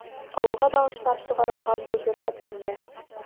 Авылга багышлап чыгарылган бу җыр хәтеремдә.